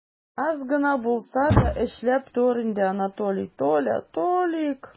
Аз гына булса да эшләп тор инде, Анатолий, Толя, Толик!